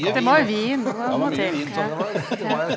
ja det var vin det må til ja ja.